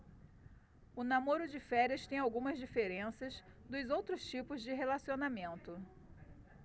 o namoro de férias tem algumas diferenças dos outros tipos de relacionamento